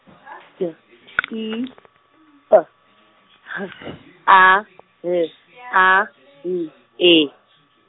D I P H A L A N E.